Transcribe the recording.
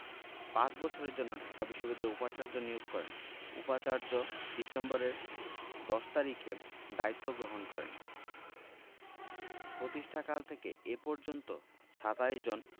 পাঁচ বছরের জন্য ঢাকা বিশ্ববিদ্যালয়ের উপাচার্য নিয়োগ করেন উপাচার্য ডিসেম্বরের ১০ তারিখে দায়িত্ব গ্রহণ করেন প্রতিষ্ঠাকাল থেকে এ পর্যন্ত ২৭ জন